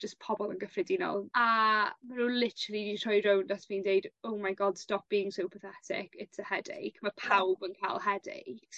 jyst pobol yn gyffredinol. A ma' n'w literaly troi rownd ato fi yn deud oh my God stop being so pathetic it's a headach ma' pawb yn ca'l headaches.